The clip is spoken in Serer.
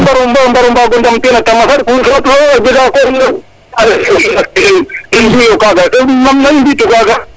kan mbaru mbago ndam ten a tama saɗ kub oxu ref na jega probleme of xaye in mbiyu kaga nam nu mbi tu kaga